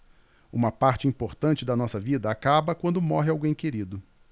uma parte importante da nossa vida acaba quando morre alguém querido